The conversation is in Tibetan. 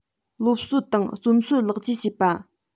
སློབ སྲོལ དང རྩོམ སྲོལ ལེགས བཅོས བྱེད པ